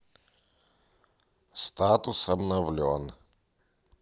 статус обновлен